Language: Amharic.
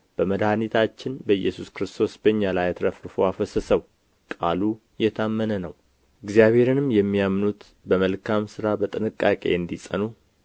በመድኃኒታችን በኢየሱስ ክርስቶስ በእኛ ላይ አትርፎ አፈሰሰው ቃሉ የታመነ ነው እግዚአብሔርንም የሚያምኑት በመልካም ሥራ በጥንቃቄ እንዲጸኑ